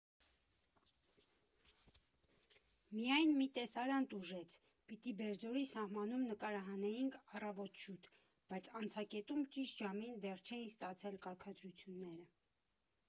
Միայն մի տեսարան տուժեց, պիտի Բերձորի սահմանում նկարահանեինք առավոտ շուտ, բայց անցակետում ճիշտ ժամին դեռ չէին ստացել կարգադրությունները։